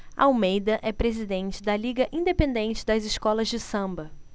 almeida é presidente da liga independente das escolas de samba